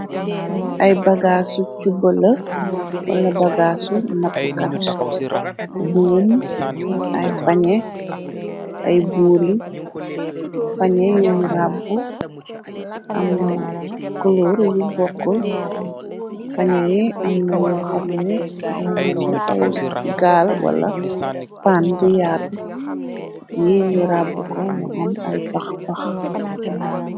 Ay bagaasu cubbala wala bagaasu napkat buum ay pañe ay buuli pañe yuñu ràbb amna kulor yu bokkul pañe yi am na yo xamne de menne ay gaal wala pann bu yaatu yi ñu rabb ko mu am ay pah pah.